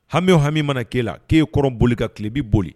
Hami hami mana k'e la k'e kɔrɔn boli ka tileb boli